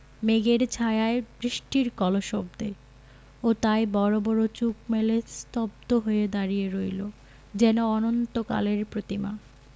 মেঘের ছায়ায় বৃষ্টির কলশব্দে ও তাই বড় বড় চোখ মেলে স্তব্ধ হয়ে দাঁড়িয়ে রইল যেন অনন্তকালের প্রতিমা